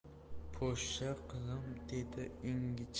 poshsha qizim dedi